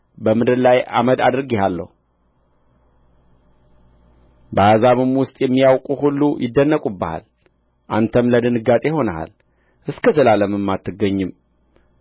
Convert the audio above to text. በምድር ላይ አመድ አድርጌሃለሁ በአሕዛብም ውስጥ የሚያውቁህ ሁሉ ይደነቁብሃል አንተም ለድንጋጤ ሆነሃል እስከ ዘላለምም አትገኝም